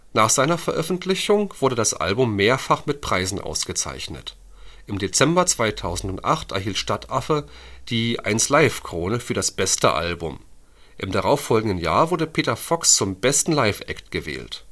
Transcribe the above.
Nach seiner Veröffentlichung wurde das Album mehrfach mit Preisen ausgezeichnet. Im Dezember 2008 erhielt Stadtaffe die 1Live Krone für das Beste Album, im darauffolgenden Jahr wurde Peter Fox zum Besten Liveact gewählt